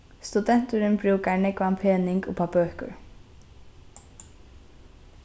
studenturin brúkar nógvan pening upp á bøkur